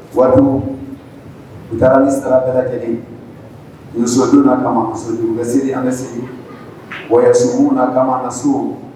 Wari u taarali sara bɛɛ lajɛlen u ye sodu na kama muso dun ka seli an ka seli wa sokun na kama ka so